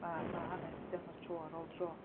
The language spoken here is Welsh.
Mae- mae hanes 'di dangos tro ar ôl tro...